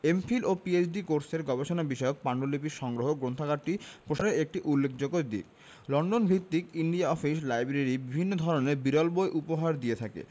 MPhil ও PhD কোর্সের গবেষণা বিষয়ক পান্ডুলিপির সংগ্রহ গ্রন্থাগারটি প্রসারের একটি উল্লেখযোগ্য দিক লন্ডন ভিত্তিক ইন্ডিয়া অফিস লাইব্রেরি বিভিন্ন ধরনের বিরল বই উপহার দিয়ে থাকে